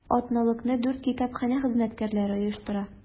Атналыкны дүрт китапханә хезмәткәрләре оештыра.